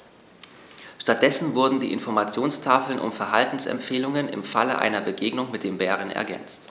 Stattdessen wurden die Informationstafeln um Verhaltensempfehlungen im Falle einer Begegnung mit dem Bären ergänzt.